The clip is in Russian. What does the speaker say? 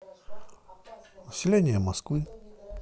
население москвы